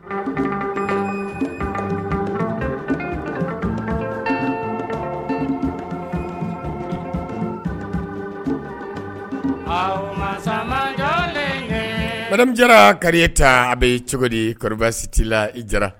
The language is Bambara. San balimamuja ka ta a bɛ cogo di siti la i jara